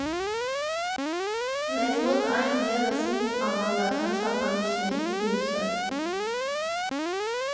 Մեզ մոտ այն ևս հին ավանդական չափանիշներից դուրս է։